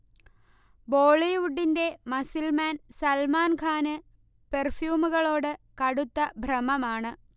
ബോളിവുഡിന്റെ muscle man സൽമാൻഖാന് പെർഫ്യൂമുകളോട് കടുത്ത ഭ്രമമാണ്